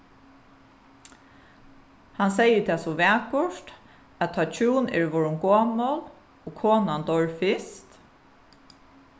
hann segði tað so vakurt at tá hjún eru vorðin gomul og konan doyr fyrst